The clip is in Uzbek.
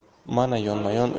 mana yonma yon